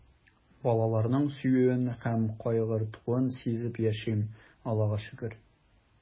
Балаларның сөюен һәм кайгыртуын сизеп яшим, Аллага шөкер.